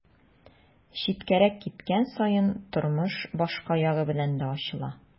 Читкәрәк киткән саен тормыш башка ягы белән дә ачыла.